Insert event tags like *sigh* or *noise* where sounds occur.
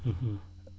*hesitation* *hesitation*